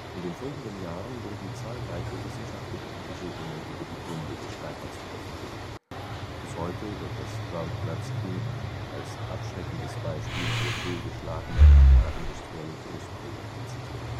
In den folgenden Jahren wurden zahlreiche wissenschaftliche Untersuchungen über die Gründe des Scheiterns veröffentlicht, bis heute wird das Groundnuts Scheme als abschreckendes Beispiel für fehlgeschlagene agrarindustrielle Großprojekte zitiert